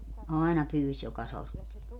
aina pyysi joka sorttia